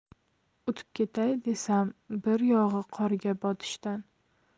o'tib ketay desam bir yog'i qorga botishdan